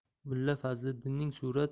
mulla fazliddinning surat